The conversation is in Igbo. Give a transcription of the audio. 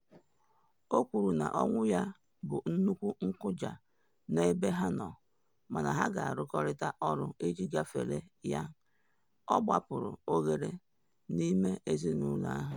O kwuru na ọnwụ ya bụ nnukwu nkụja n’ebe ha nọ, mana ha ga-arụkọta ọrụ iji gafere ya: “Ọ gbapuru oghere n’ime ezinụlọ ahụ.